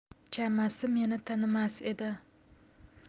chamasi meni tanimas edi